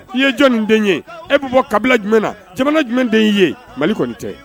I ye jɔnnin den ye e bi bɔ kabila jumɛn na jamana jumɛn den y'i ye Mali kɔni tɛ